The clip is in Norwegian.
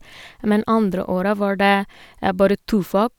Men andre året var det bare to fag.